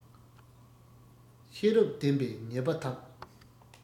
ཤེས རབ ལྡན པས ཉེས པ དག